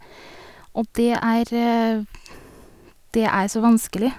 Og det er v det er så vanskelig.